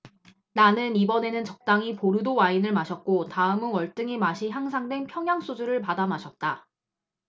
나는 이번에는 적당히 보르도 와인을 마셨고 다음은 월등히 맛이 향상된 평양 소주를 받아 마셨다